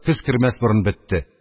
Көз кермәс борын бетте.